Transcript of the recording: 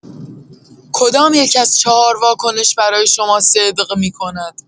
کدام‌یک از چهار واکنش برای شما صدق می‌کند؟